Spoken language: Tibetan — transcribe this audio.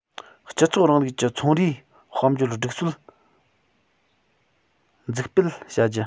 སྤྱི ཚོགས རིང ལུགས ཀྱི ཚོང རའི དཔལ འབྱོར སྒྲིག སྲོལ འཛུགས སྤེལ བྱ རྒྱུ